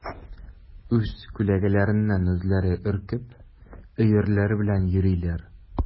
Үз күләгәләреннән үзләре өркеп, өерләре белән йөриләр.